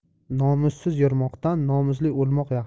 nomussiz yurmoqdan nomusli o'lmoq yaxshi